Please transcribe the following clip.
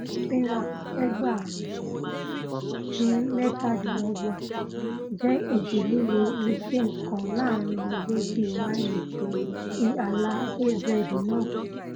Katrina (1967) jẹ́ ìjì-líle hurricane kan laàrin ogójì máìlì ti ààlà AZ náà.''